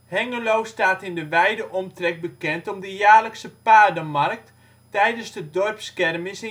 Hengelo staat in de wijde omtrek bekend om de jaarlijkse paardenmarkt (tijdens de dorpskermis